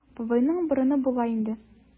Бабайның борыны була инде.